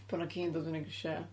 bod 'na gi yn dod fyny grisiau.